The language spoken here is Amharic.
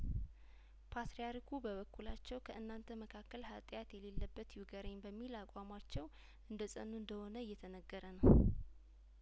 ፓትሪያርኩ በበኩላቸው ከእናንተ መካከል ሀጢያት የሌለበት ይውገረኝ በሚል አቋማቸው እንደጸኑ እንደሆነ እየተነገረ ነው